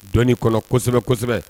Dɔɔnin kɔ kosɛbɛ kosɛbɛ